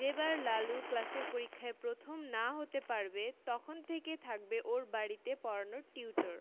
যে বার লালু ক্লাসের পরীক্ষায় প্রথম না হতে পারবে তখন থেকে থাকবে ওর বাড়িতে পড়ানোর টিউটার